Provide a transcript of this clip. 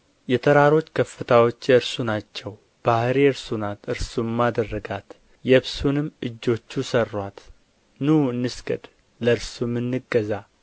የተራሮች ከፍታዎች የእርሱ ናቸው ባሕር የእርሱ ናት እርሱም አደረጋት የብስንም እጆቹ ሠሩአት ኑ እንስገድ ለእርሱም እንገዛ